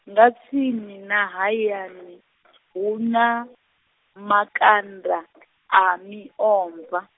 nga tsini na hayani, hu na, makanda , a miomva.